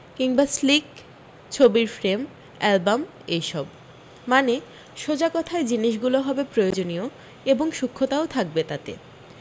কিংবা স্লিক ছবির frame album এই সব মানে সোজা কথায় জিনিসগুলো হবে প্রয়োজনীয় এবং সূক্ষতাও থাকবে তাতে